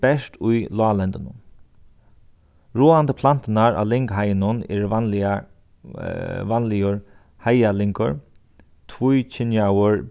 bert í láglendinum ráðandi planturnar á lyngheiðunum eru vanliga vanligur heiðalyngur tvíkynjaður